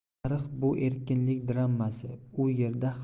tarix bu erkinlik dramasi u erda